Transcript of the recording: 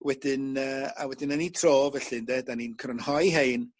wedyn yy a wedyn yn 'i tro felly ynde 'dan ni'n crynhoi rhein